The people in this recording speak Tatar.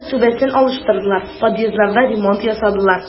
Хәзер түбәсен алыштырдылар, подъездларда ремонт ясадылар.